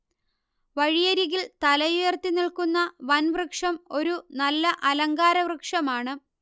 വഴിയരികിൽ തലയുയർത്തി നിൽക്കുന്ന വൻവൃക്ഷം ഒരു നല്ല അലങ്കാരവൃക്ഷമാണ്